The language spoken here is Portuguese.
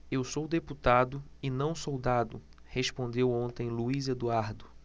eu sou deputado e não soldado respondeu ontem luís eduardo